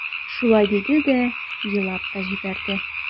Шулай диде дә елап та җибәрде.